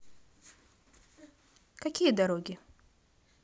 какие дороги